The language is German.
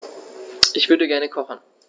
Ich würde gerne kochen.